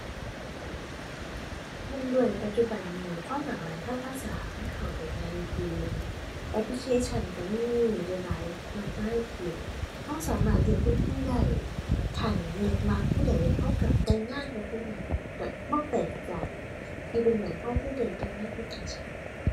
เนื่องด้วยปัจจุบันนี้ความหลากหลายทางภาษามันเข้าได้ง่ายขึ้น แอปพลิเคชันก็มีได้หลายมากมายขึ้น ก็สามารถเลือกคนคุยได้ คันแม่นมักผู้ใดก็ก็แต่งงานกับผู้นั้น ก็บ่แปลกใจ ที่เป็นหยังก็คือได้แต่งงานคนต่างชาติ